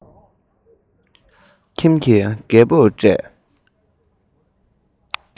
ཁྱིམ ཀྱི རྒད པོར སྤྲད